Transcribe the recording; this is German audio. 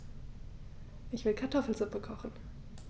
Ich will Kartoffelsuppe kochen.